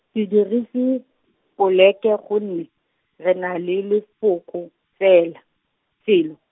se dirise, poleke gonne, re na le lefoko, fela, felo.